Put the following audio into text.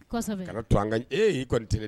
To e y'i kɔni tɛ dɛ